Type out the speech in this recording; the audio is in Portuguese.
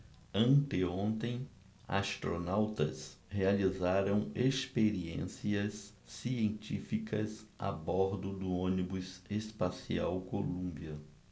anteontem astronautas realizaram experiências científicas a bordo do ônibus espacial columbia